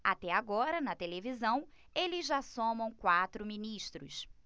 até agora na televisão eles já somam quatro ministros